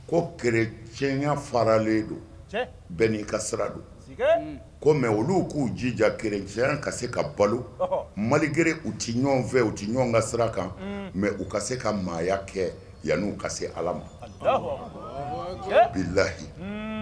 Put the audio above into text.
Ko ke diɲɛya faralen don bɛn n'i ka sira don ko mɛ olu k'u jija ka se ka balo mali g u tɛ ɲɔgɔn fɛ u tɛ ɲɔgɔn ka sira kan mɛ u ka se ka maaya kɛ yanniw ka se ala ma bi lahi